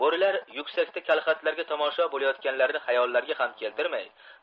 bo'rilar yuksakda kadxatlarga tomosha bolayotganlarini hayollariga ham keltirmay